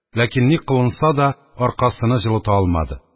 Ләкин ни кылынса да, аркасыны җылыта алмады.